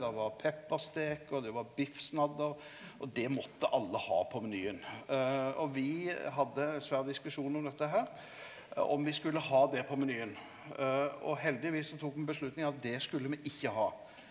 der var peparsteik og det var biffsnadder, og det måtte alle ha på menyen, og vi hadde svær diskusjon om dette her, om me skulle ha det på menyen, og heldigvis så tok me avgjerd at det skulle me ikkje ha.